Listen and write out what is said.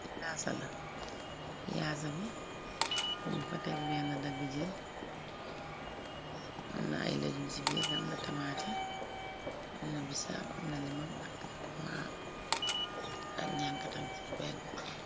Li yaasala yaasa bi mung fa teg benn daggu jën amna ay lajul ci biirdi amna tamate amna bisaab amna lima akma ak ñamka tan ci béggebi.